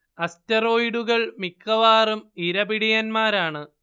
അസ്റ്ററോയ്ഡുകൾ മിക്കവാറും ഇരപിടിയന്മാരാണ്